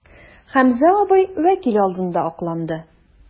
Хәмзә абый вәкил алдында акланды.